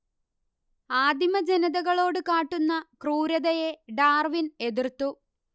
ആദിമജനതകളോടു കാട്ടുന്ന ക്രൂരതയെ ഡാർവിൻ എതിർത്തു